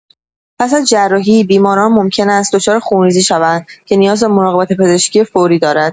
پس از جراحی، بیماران ممکن است دچار خونریزی شوند که نیاز به مراقبت پزشکی فوری دارد.